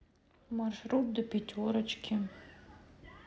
маршрут до пятерочки